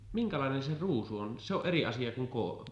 minkälainen se ruusu on se on eri asia kuin koi